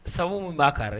Sabu mun b'a kan dɛ